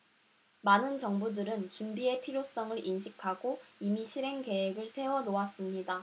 많은 정부들은 준비의 필요성을 인식하고 이미 실행 계획을 세워 놓았습니다